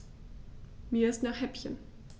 Mir ist nach Häppchen.